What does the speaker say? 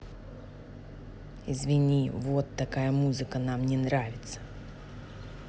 извини вот такая музыка нам не нравится